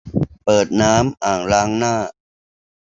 เปิดน้ำอ่างล้างหน้า